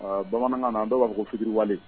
Bamanankan na dɔw b'a fɔ fitiriwale